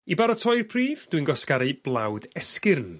i baratoi'r pridd dwi'n gwasgaru blawd esgyrn